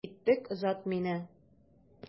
Киттек, озат мине.